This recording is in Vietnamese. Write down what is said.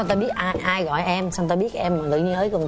ta biết ai ai gọi em sao người ta biết em tự nhiên hới cần thơ